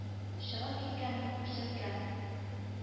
Чыгып киткәнен күрсәткән